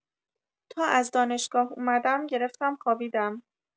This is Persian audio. تا از دانشگاه اومدم گرفتم خوابیدم